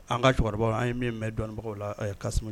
An ka cɛkɔrɔba an ye min mɛn dɔnbagaw la